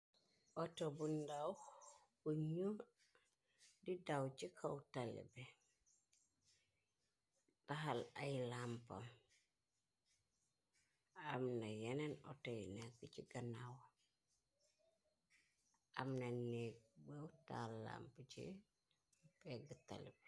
Outo bu ndaw bu nuul di daw ci kaw talibé taxal ay làmpam am na yeneen auto ye nekk ci ganawa amna néeg bu taal lamp ci pégg talibe.